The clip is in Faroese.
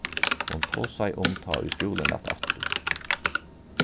hon tosaði um tá ið skúlin læt aftur